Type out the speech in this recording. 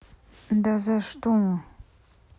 да что за